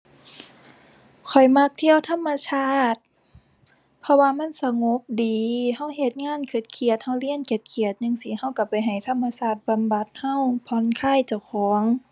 ข้อยมักเที่ยวธรรมชาติ เพราะว่ามันสงบดี เราเฮ็ดงานเครียดเครียดเราเรียนเครียดเครียดจั่งซี้ เราเราไปให้ธรรมชาติบำบัดเรา ผ่อนคลายเจ้าของ